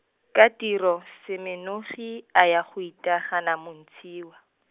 ka tiro, Semenogi, a ya go itaagana Montshiwa.